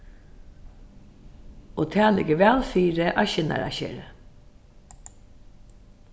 og tað liggur væl fyri á skinnaraskeri